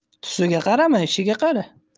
tusiga qarama ishiga qara